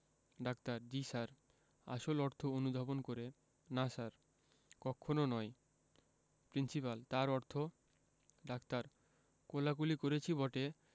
doctor জ্বী sir আসল অর্থ অনুধাবন করে না স্যার কক্ষণো নয় প্রিন্সিপাল তার অর্থ ডাক্তার কোলাকুলি করেছি বটে